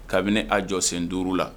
Kabini a jɔ sen duuru la